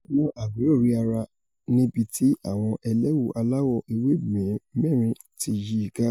Lẹ́yìn náà Aguero rí ara níbití àwọn ẹlẹ́wù aláwọ̀ ewé mẹ́rin ti yìí ká.